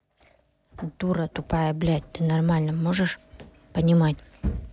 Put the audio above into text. дура тупая блядь ты нормально можешь понимать